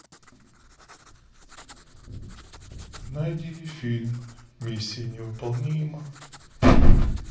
найди фильм миссия невыполнима